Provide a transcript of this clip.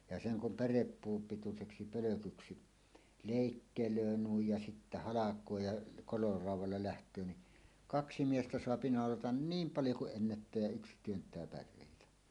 ja sen kun pärepuun pituiseksi pölkyksi leikkelee noin ja sitten halkoo ja raudalla lähtee niin kaksi miestä saa naulata niin paljon kuin ennättää ja yksi työntää päreitä